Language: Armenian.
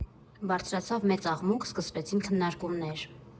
Բարձրացավ մեծ աղմուկ, սկսվեցին քննարկումներ։